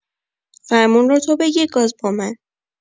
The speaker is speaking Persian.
فرمون رو تو بگیر، گاز با من!